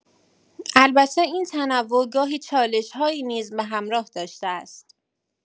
البته این تنوع گاهی چالش‌هایی نیز به همراه داشته است؛